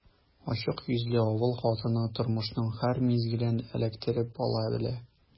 Ачык йөзле авыл хатыны тормышның һәр мизгелен эләктереп ала белә.